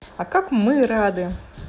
а как мы рады